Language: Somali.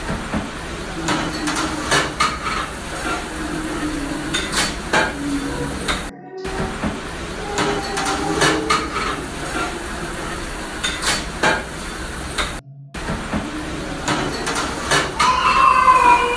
Waa geedka giimaanka lagu dheelayo midamkiisa waa caddaan meesha u yaalla cadaan